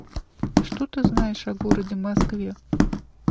что ты знаешь о городе москве